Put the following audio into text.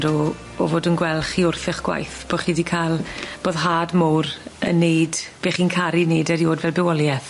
...o o fod yn gweld chi wrth 'ych gwaith bo' chi 'di ca'l boddhad mowr yn neud be' chi'n caru neud eriod fel bywolieth.